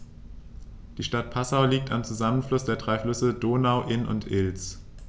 Die Stadt Passau liegt am Zusammenfluss der drei Flüsse Donau, Inn und Ilz.